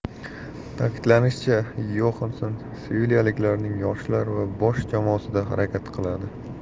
ta'kidlanishicha yohansson sevilyaliklarning yoshlar va bosh jamoasida harakat qiladi